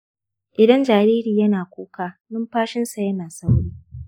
idan jariri yana kuka, numfashinsa yana sauri.